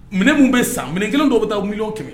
Minɛn min bɛ san minɛ kelen dɔ bɛ taa uu ɲɔgɔn kɛmɛ